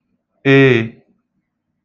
eē